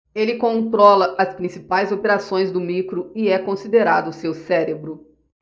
ele controla as principais operações do micro e é considerado seu cérebro